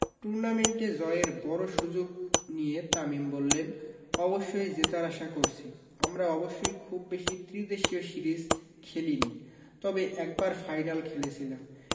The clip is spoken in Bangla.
টুর্নামেন্ট এ জয়ের বড় সুযোগ নিয়ে তামিম বললেন অবশ্যই জেতার আশা করছি আমরা অবশ্যই খুব বেশি ত্রিদেশীয় সিরিজ খেলেনি তবে একবার ফাইনাল খেলেছিলাম